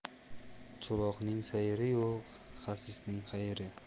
cho'loqning sayri yo'q xasisning xayri